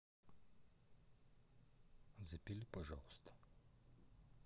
запили пожалуйста